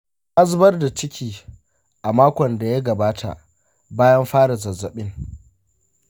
na zubar da ciki a makon da ya gabata bayan fara zazzabin.